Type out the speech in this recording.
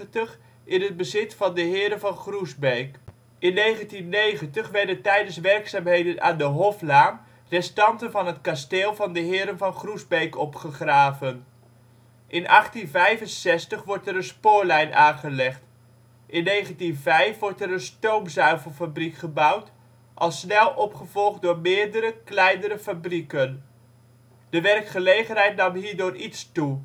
in het bezit van de Heren van Groesbeek. In 1990 werden tijdens werkzaamheden aan de Hoflaan restanten van het kasteel van de Heren van Groesbeek opgegraven. In 1865 wordt er een spoorlijn aangelegd. In 1905 wordt er een stoomzuivelfabriek gebouwd, al snel opgevolgd door meerdere, kleinere fabrieken. De werkgelegenheid nam hierdoor iets toe